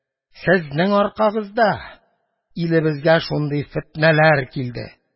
Сезнең аркагызда илебезгә шушындый фетнәләр килде